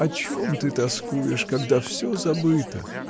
— О чем ты тоскуешь, когда всё забыто?